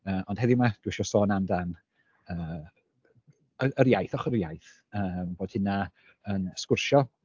yy ond heddiw 'ma dwi isio sôn amdan yy yr iaith ochr yr iaith yym boed hynna yn sgwrsio